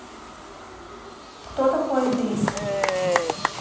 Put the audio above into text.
кто такой идрис